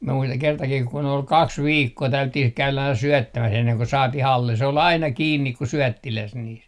minä muistan kertakin kun oli kaksi viikkoa täydyttiin käydä aina syöttämässä ennen kuin saatiin alle se oli aina kiinni kuin syöttiläs niissä